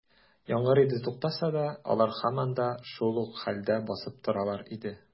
Яңгыр инде туктаса да, алар һаман да шул ук хәлдә басып торалар иде.